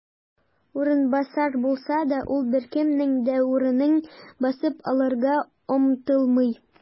"урынбасар" булса да, ул беркемнең дә урынын басып алырга омтылмый.